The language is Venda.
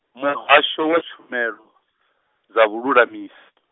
Muhasho wa Tshumelo, dza Vhululamis- .